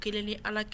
Kelen ni ala kɛ